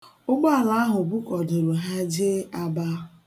Ụgbọala ahụ bukọdoro ha jee Aba.